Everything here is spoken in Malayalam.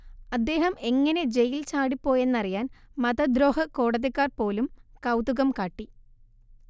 അദ്ദേഹം എങ്ങനെ ജെയിൽ ചാടിപ്പോയെന്നറിയാൻ മതദ്രോഹക്കോടതിക്കാർ പോലും കൗതുകം കാട്ടി